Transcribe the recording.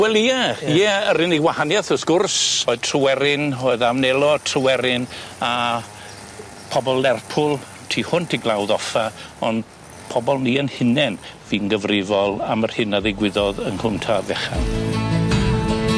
Wel ie ie yr unig wahaniath wrth gwrs oedd Tryweryn oedd amnelo Tryweryn a pobol Lerpwl tu hwnt i Glawdd Offa on' pobol ni 'yn hunen fu'n gyfrifol am yr hyn a ddigwyddodd yng Nghm Taf Fechan.